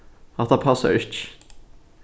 hatta passar ikki